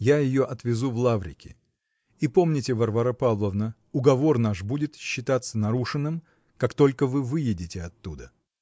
Я ее отвезу в Лаврнки -- и помните, Варвара Павловна: уговор наш будет считаться нарушенным, как только вы выедете оттуда.